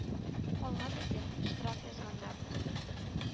Калган идем, штраф язганнар.